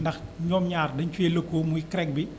ndax ñoom ñaar dañu fee lëkkoo muy CREC bi